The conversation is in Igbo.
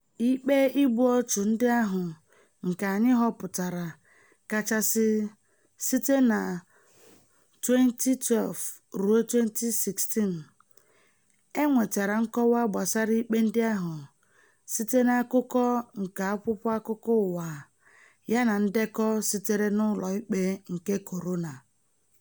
Ikpe igbu ọchụ ndị ahụ nke anyị họpụtara kachasị site na 2012 ruo 2016. E nwetara nkọwa gbasara ikpe ndị ahụ site n'akụkọ nke akwụkwọ akụkọ ụwa yana ndekọ sitere n'Ụlọikpe nke Korona.